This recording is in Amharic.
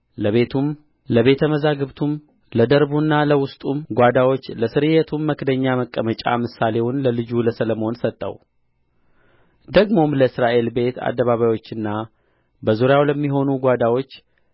ለቤቱም ለቤተ መዛግብቱም ለደርቡና ለውስጡም ጓዳዎች ለስርየቱም መክደኛ መቀመጫ ምሳሌውን ለልጁ ለሰሎሞን ሰጠው ደግሞም ለእግዚአብሔር ቤት አደባባዮችና በዙርያው ለሚሆኑ ጓዳዎች